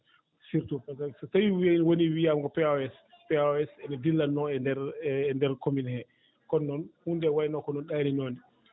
surtout par ce que so tawii wonii wiyaama ko POAS POAS ene dillatnoo e nder e nder commune he kono noon huunde ndee wayi no ko no ɗaaninoonde